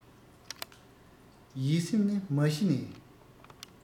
ཡིད སེམས ནི མ གཞི ནས